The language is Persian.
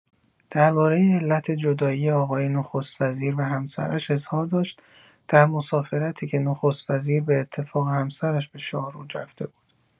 درباره علت جدائی آقای نخست‌وزیر و همسرش اظهار داشت در مسافرتی که نخست‌وزیر باتفاق همسرش به شاهرود رفته بود.